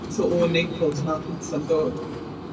So o... m-hm. ...Naples mae pitsa'n dod.